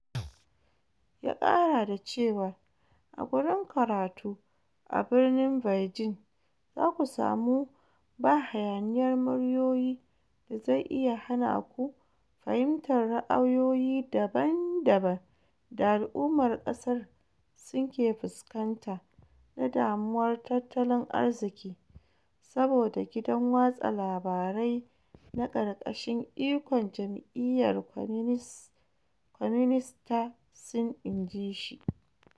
Ya kara da cewar, "a gurin karatu a birnin Beijing, za ku samu ba hayaniyar muryoyi da zai iya hanaku fahimtar ra’ayoyi daban-daban da al'ummar kasar Sin ke fuskanta na damuwar tatalin arziki, saboda gidan watsa labarai na karkashin ikon Jam'iyyar Kwaminis ta Sin, "in ji shi.